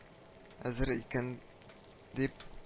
Әзер икән дип